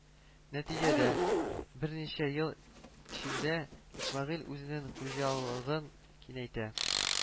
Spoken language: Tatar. Нәтиҗәдә, берничә ел эчендә Исмәгыйль үзенең хуҗалыгын киңәйтә